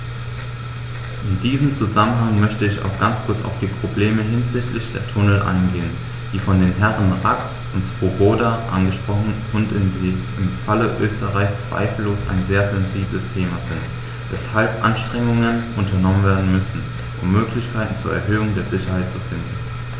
In diesem Zusammenhang möchte ich auch ganz kurz auf die Probleme hinsichtlich der Tunnel eingehen, die von den Herren Rack und Swoboda angesprochen wurden und die im Falle Österreichs zweifellos ein sehr sensibles Thema sind, weshalb Anstrengungen unternommen werden müssen, um Möglichkeiten zur Erhöhung der Sicherheit zu finden.